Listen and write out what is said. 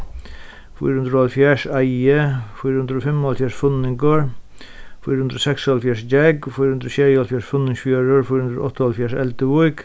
fýra hundrað og hálvfjerðs eiði fýra hundrað og fimmoghálvfjerðs funningur fýra hundrað og seksoghálvfjerðs gjógv fýra hundrað og sjeyoghálvfjerðs funningsfjørður fýra hundrað og áttaoghálvfjerðs elduvík